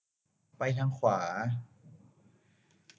ไปทางขวา